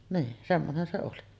niin semmoinen se oli